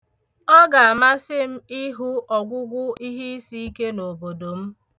Ọ ga-amasị m ịhu ọgwụgwụ ihe isiike n'obodo m.